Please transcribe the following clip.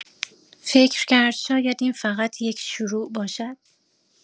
فکر کرد شاید این فقط یک شروع باشد.